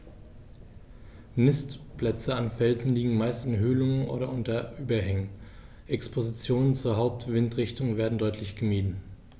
Nistplätze an Felsen liegen meist in Höhlungen oder unter Überhängen, Expositionen zur Hauptwindrichtung werden deutlich gemieden.